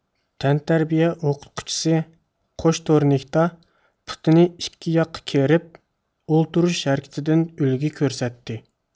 تەنتەربىيە ئوقۇتقۇچىسى قوش تورنىكتا پۇتىنى ئىككى ياققا كېرىپ ئولتۇرۇش ھەرىكىتىدىن ئۈلگە كۆرسەتتى